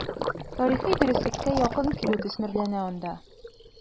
Тарихи дөреслеккә якын килү төсмерләнә анда.